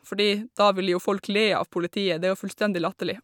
Fordi da vil jo folk le av politiet, det er jo fullstendig latterlig.